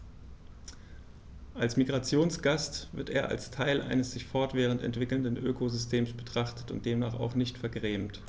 Als Migrationsgast wird er als Teil eines sich fortwährend entwickelnden Ökosystems betrachtet und demnach auch nicht vergrämt.